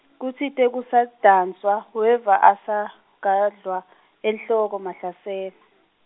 kutsite kusadanswa, weva asagadlwa, enhloko Mahlasela.